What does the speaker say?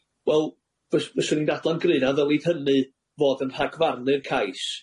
Wel, fys- fyswn i'n dadla'n gry' na ddylid hynny fod yn rhagfarnu'r cais